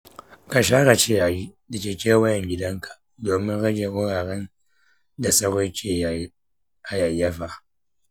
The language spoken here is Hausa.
ka share ciyayi da ke kewayen gidanka domin rage wuraren da sauro ke hayayyafa.